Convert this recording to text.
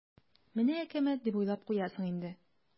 "менә әкәмәт" дип уйлап куясың инде.